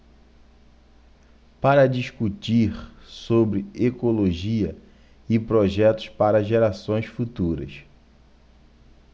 para discutir sobre ecologia e projetos para gerações futuras